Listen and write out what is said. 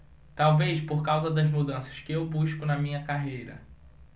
talvez por causa das mudanças que eu busco na minha carreira